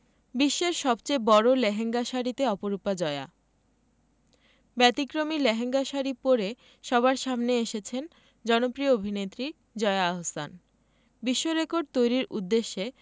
বিশ্বের সবচেয়ে বড় লেহেঙ্গা শাড়িতে অপরূপা জয়া ব্যতিক্রমী লেহেঙ্গা শাড়ি পরে সবার সামনে এসেছেন জনপ্রিয় অভিনেত্রী জয়া আহসান বিশ্বরেকর্ড তৈরির উদ্দেশ্যে